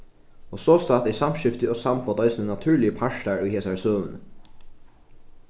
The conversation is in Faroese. og sostatt er samskifti og sambond eisini natúrligir partar í hesari søguni